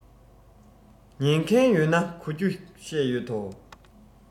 ཉན མཁན ཡོད ན གོ རྒྱུ བཤད ཡོད དོ